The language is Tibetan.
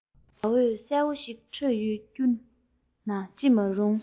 ཟླ འོད གསལ བོ ཞིག འཕྲོས ཡོད རྒྱུ ན ཅི མ རུང